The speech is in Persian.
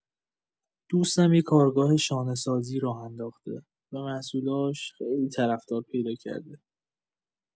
دوستم یه کارگاه شانه‌سازی راه انداخته و محصولاش خیلی طرفدار پیدا کرده.